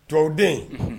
Tobabu den